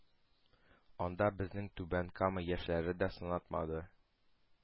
Анда безнең түбән кама яшьләре дә сынатмады.